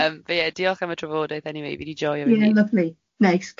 Yym be- ie diolch am y trafodaeth eniwe fi di joio fi. Ie lyfli. Neis.